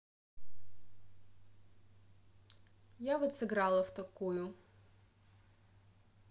я вот сыграла в такую